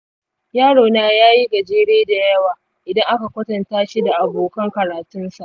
yarona ya yi gajere da yawa idan aka kwatanta shi da abokan karatunsa.